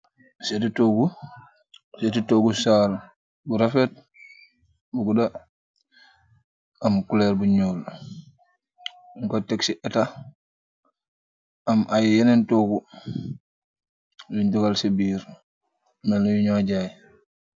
setti toogu setti saal bu rafet bu guda am culeer bu ñool nyun ko teg ci eta am ay yeneen toogu yun jogal ci biir mel yu nyu jaay.